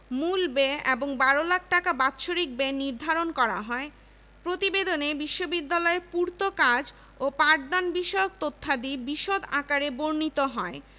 কমিটির মতে যুক্তরাজ্যের ম্যানচেস্টার লিডস লিভারপুল প্রভৃতি আধুনিক বিশ্ববিদ্যালয়ের ন্যায় এ প্রতিষ্ঠানটি হবে একক আবাসিক শিক্ষাক্ষেত্র